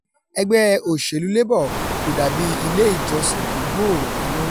Ẹgbẹ́ òṣèlú Labour ko dàbíi ilé ìjọsín tó gbòòrò kan mọ.